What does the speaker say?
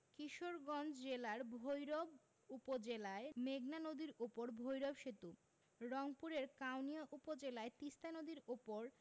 কিশোরগঞ্জ জেলার ভৈরব উপজেলায় মেঘনা নদীর উপর ভৈরব সেতু রংপুরের কাউনিয়া উপজেলায় তিস্তা নদীর উপর